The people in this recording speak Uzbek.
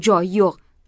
joyi yo'q